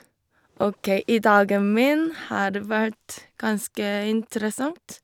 OK, i dagen min har vært ganske interessant.